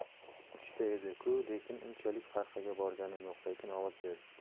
uchta edi ku lekin unchalik farqiga borganim yo'q lekin ovoz berdim